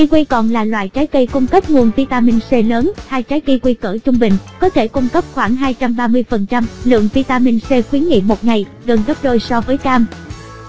kiwi còn là loại trái cây cung cấp nguồn vitamin c lớn trái kiwi cỡ trung bình có thể cung cấp khoảng phần trăm lượng vitamin c khuyến nghị một ngày gần gấp đôi so với cam